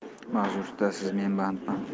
ma'zur tutasiz men bandman